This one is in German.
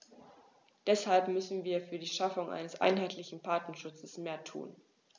Deshalb müssen wir für die Schaffung eines einheitlichen Patentschutzes mehr tun.